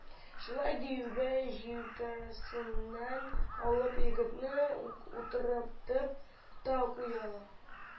Шулай диюгә, җилкәсеннән алып, егетне утыртып та куялар